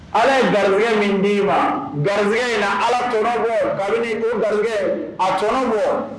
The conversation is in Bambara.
Ala ye bɛgɛ min d' ma bɛjɛgɛ in ala torabɔ kabini o garijɛ a tora bɔ